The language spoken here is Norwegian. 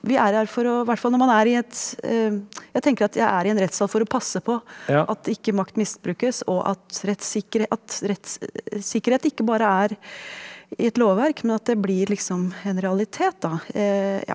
vi er her for å hvert fall når man er i et jeg tenker at jeg er i en rettssal for å passe på at ikke makt misbrukes og at at rettssikkerhet ikke bare er i et lovverk, men at det blir liksom en realitet da ja.